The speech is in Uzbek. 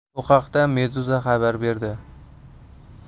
bu haqda meduza xabar berdi